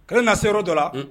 Kɛlɛ na se yɔrɔ dɔ la